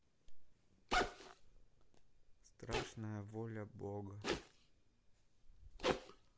страшная воля бога